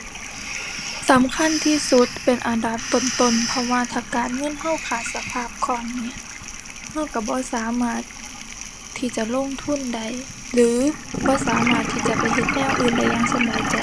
สำคัญที่สุดเป็นอันดับต้นต้น เพราะว่าถ้าการเงินเราขาดสภาพคล่องเนี่ย เราเราบ่สามารถที่จะลงทุนได้หรือบ่สามารถที่จะไปเฮ็ดแนวอื่นได้อย่างสำบายใจ